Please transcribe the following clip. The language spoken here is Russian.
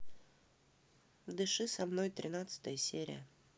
дыши со мной тринадцатая серия